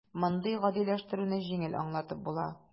Мондый "гадиләштерү"не җиңел аңлатып була: